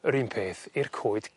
yr un peth i'r coed